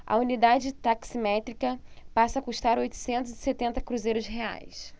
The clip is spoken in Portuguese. a unidade taximétrica passa a custar oitocentos e setenta cruzeiros reais